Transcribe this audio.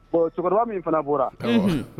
Ɔ cɛkɔrɔba min fana b bɔra